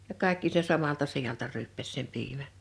ja kaikki sen samalta sijalta ryyppäsi sen piimän